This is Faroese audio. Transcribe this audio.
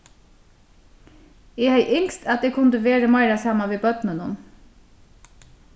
eg hevði ynskt at eg kundi verið meira saman við børnunum